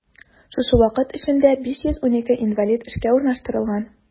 Шушы вакыт эчендә 512 инвалид эшкә урнаштырылган.